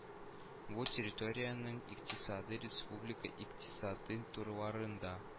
Бу территориянең икътисады республика икътисадын тулыландыра